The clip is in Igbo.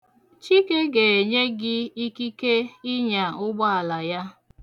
Chike ga-enye gị ikike ịnya ụgbaala ya.